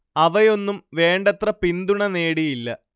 അവയൊന്നും വേണ്ടത്ര പിന്തുണ നേടിയില്ല